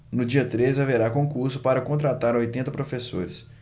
no dia treze haverá concurso para contratar oitenta professores